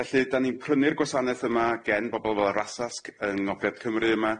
Felly da ni'n prynu'r gwasaneth yma gen bobol fel Arasasg yng Ngogledd Cymru yma.